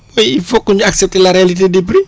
mais il faut que ñu accepté la réalité des prix